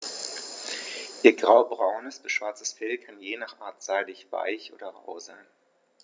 Ihr graubraunes bis schwarzes Fell kann je nach Art seidig-weich oder rau sein.